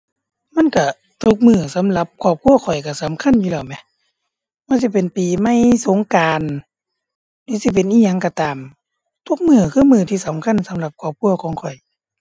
มันก็ ทุกมื้อสำหรับครอบครัวข้อยก็สำคัญอยู่แล้วแหม บ่ว่าสิเป็นปีใหม่ สงกรานต์ หรือสิเป็นอิหยังก็ตาม ทุกมื้อคือมื้อที่สำคัญสำหรับครอบครัวของข้อย